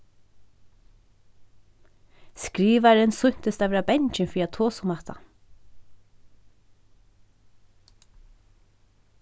skrivarin sýntist at vera bangin fyri at tosa um hatta